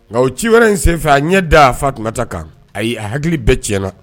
Wa o ci wɛrɛ in senfɛ a ɲɛ da Fatumata kan. Ayi, a hakili bɛɛ cɛnna